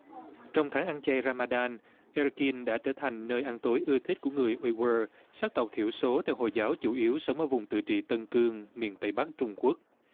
trong tháng ăn chay ra ma đan e rơ kin đã trở thành nơi ăn tối ưa thích của người guy guơ sắc tộc thiểu số theo hồi giáo chủ yếu sống ở vùng tự trị tân cương miền tây bắc trung quốc